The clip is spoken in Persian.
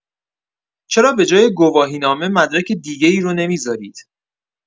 چرا به‌جای گواهینامه مدرک دیگه‌ای رو نمی‌زارید.